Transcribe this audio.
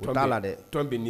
La dɛ